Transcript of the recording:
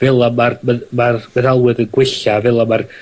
fela ma'r ma' ma'r feddalwedd yn gwella fela ma'r